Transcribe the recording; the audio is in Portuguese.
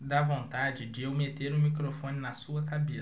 dá vontade de eu meter o microfone na sua cabeça